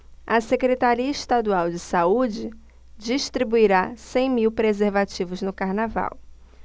a secretaria estadual de saúde distribuirá cem mil preservativos no carnaval